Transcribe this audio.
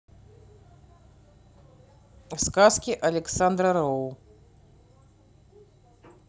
сказки александра роу